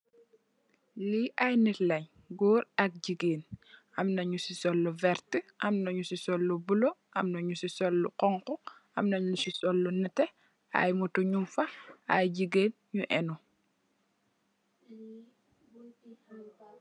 Lee aye neet len goor ak jegain amna nuse sol lu verte amna nuse sol lu bulo amna nuse sol lu xonxo amna nuse sol lu nete aye motor nugfa aye jegain nu ehno.